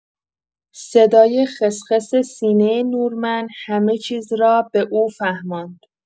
صدای خس‌خس سینه نورمن همه‌چیز را به او فهماند.